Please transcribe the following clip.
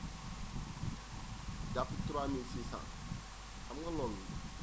jàpp 3600 xam nga loolu